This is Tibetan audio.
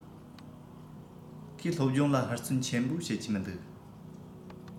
ཁོས སློབ སྦྱོང ལ ཧུར བརྩོན ཆེན པོ བྱེད ཀྱི མི འདུག